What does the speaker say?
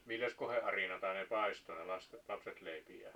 milläs kohden arinaa ne paistoi ne - lapset leipiään